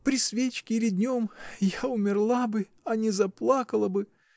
При свечке или днем — я умерла бы, а не заплакала бы.